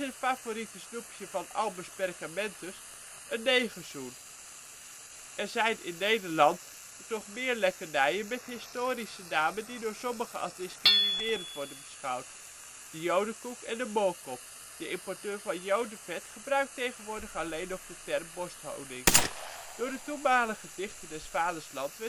favoriete snoepje van Albus Perkamentus een negerzoen. Er zijn in Nederland nog meer lekkernijen met historische namen die door sommigen als discriminerend worden beschouwd: De jodenkoek en de moorkop. De importeur van jodevet gebruikt tegenwoordig alleen nog de term borsthoning. Door de toenmalige dichter des Vaderlands